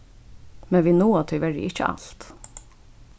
men vit náa tíverri ikki alt